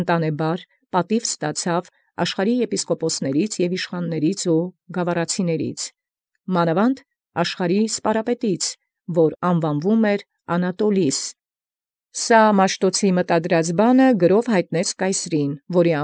Ընտանեբար յեպիսկոպոսաց աշխարհին և յիշխանաց և ի գաւառականացն պատուեալ լինէր, մանաւանդ ի սպայապետէն աշխարհին, որ անուանեալ կոչէր Անատողիս, ի մուտ ճանապարհին, որ զիրս առաջի եդեալ՝ գրով ցուցանէր կայսերն, որում։